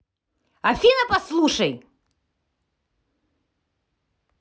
афина послушай